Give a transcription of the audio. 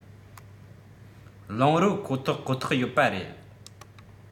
རླངས རོ ཁོ ཐག ཁོ ཐག ཡོད པ རེད